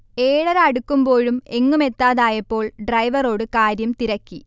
ഏഴര അടുക്കുമ്പോഴും എങ്ങുമെത്താതായപ്പോൾ ഡ്രൈവറോട് കാര്യം തിരക്കി